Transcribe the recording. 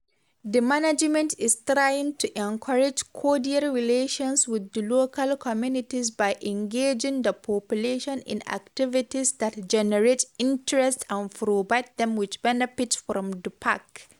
The management is trying to encourage cordial relations with the local communities by engaging the population in activities that generate interest and provide them with benefits from the park.